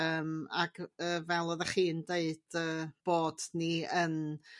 Yrm ac y fel o'ddach chi'n deud yrr bod ni yn